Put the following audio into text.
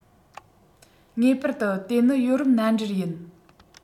ངེས པར དུ དེ ནི ཡོ རོབ མནའ འབྲེལ ཡིན